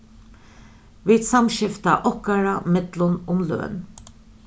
vit samskifta okkara millum um løn